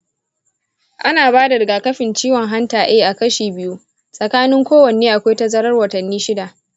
ana ba da rigakafin ciwon hanta a a kashi biyu, tsakanin kowanne akwai tazarar watanni shida.